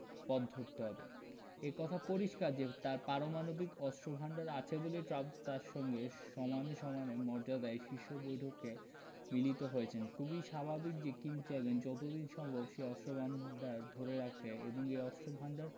পথ ধরতে হবে এ কথা পরিষ্কার যে তাঁর পারমাণবিক অস্ত্রভান্ডার আছে বলেই ট্রাম্প তাঁর সঙ্গে সমানে সমান মর্যাদায় শীর্ষ বৈঠকে মিলিত হয়েছেন খুবই স্বাভাবিক যে কিম চাইবেন যত দিন সম্ভব সে অস্ত্রভান্ডার ধরে রাখতে এবং এ অস্ত্রভান্ডার